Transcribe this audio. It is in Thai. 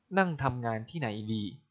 นั่งทำงานที่ไหนดี